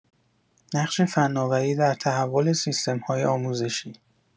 نقش فناوری در تحول سیستم‌های آموزشی